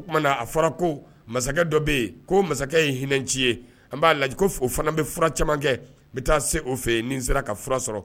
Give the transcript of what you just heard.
O kuma na a fɔra ko masakɛ dɔ be yen ko masakɛ ye hinɛci ye . An ba lajɛ ko o fana bɛ fura caman kɛ n bɛ taa se o fɛ yen ni n sera ka fura sɔrɔ.